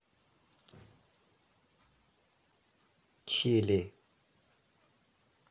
чили